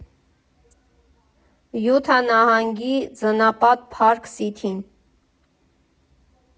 Յուտա նահանգի ձնապատ Փարք Սիթիին։